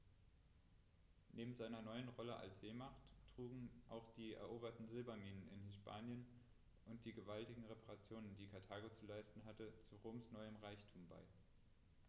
Neben seiner neuen Rolle als Seemacht trugen auch die eroberten Silberminen in Hispanien und die gewaltigen Reparationen, die Karthago zu leisten hatte, zu Roms neuem Reichtum bei.